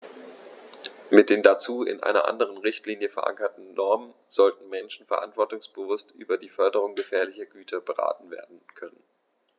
Mit den dazu in einer anderen Richtlinie, verankerten Normen sollten Menschen verantwortungsbewusst über die Beförderung gefährlicher Güter beraten werden können.